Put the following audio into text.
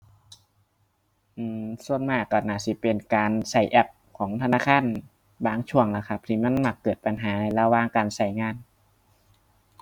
อือ ส่วนมากก็น่าสิเป็นการก็แอปของธนาคารบางช่วงล่ะครับ ที่มันมักเกิดปัญหาระหว่างการก็งาน